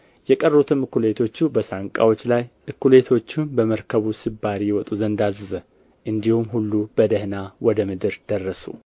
የቀሩትም እኵሌቶቹ በሳንቃዎች ላይ እኵሌቶቹም በመርከቡ ስባሪ ይወጡ ዘንድ አዘዘ እንዲሁም ሁሉ በደኅና ወደ ምድር ደረሱ